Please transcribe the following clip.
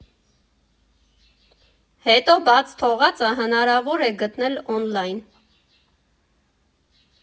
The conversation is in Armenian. Հետո բաց թողածը հնարավոր է գտնել օնլայն։